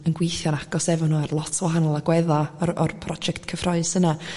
yn gweithio'n agos efo nw ar lot o wahanol agwedda o'r o'r project cyffrous yna